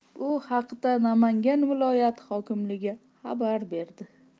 bu haqda namangan viloyati hokimligi xabar berdi